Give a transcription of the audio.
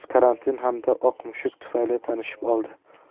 karantin hamda oq mushuk tufayli tanishib oldi